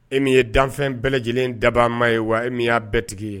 E min ye danfɛn bɛɛ lajɛlen daba maa ye wa e min y'a bɛɛ tigi ye